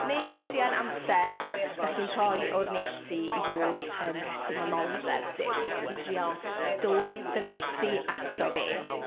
Neu ydy e'n amser dach chi'n rhoi o'r neilltu, i fod ymhresymoldeb Duw i dreial dod... dynesu ato fe?